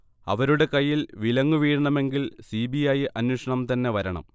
അവരുടെ കയ്യിൽ വിലങ്ങ് വീഴണമെങ്കിൽ സി. ബി. ഐ അന്വേഷണം തന്നെ വരണം